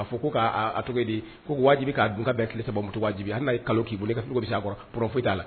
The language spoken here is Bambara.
A fɔ ko' cogo ko wajibi k'a dun ka bɛɛ tilesabamotujibi hali n' kalolo k'i bolo ka bɛ kɔrɔ p foyi t'a la